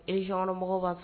Region la mɔgɔw ka